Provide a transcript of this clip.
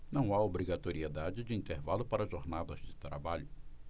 não há obrigatoriedade de intervalo para jornadas de trabalho